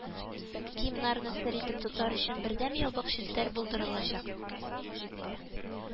КИМнарны сер итеп тотар өчен бердәм ябык челтәр булдырылачак